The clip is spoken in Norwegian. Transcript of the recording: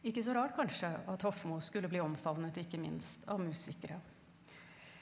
ikke så rart kanskje at Hofmo skulle bli omfavnet ikke minst av musikere.